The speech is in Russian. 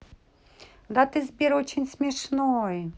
да ты сбер очень смешной